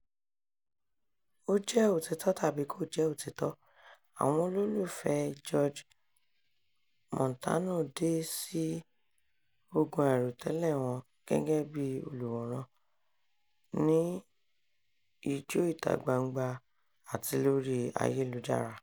Ó jẹ́ òtítọ́ tàbí kò jẹ́ òtítọ́, àwọn olólùfẹ́ẹ George/Montano dá sí ogun àìròtẹ́lẹ̀ wọn gẹ́gẹ́ bí olùwòràn, ní Ijó ìta-gbangba àti lórí ayélujára.